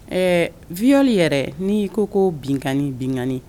Ɛɛ viol yɛrɛ n'i ko ko binkani binkani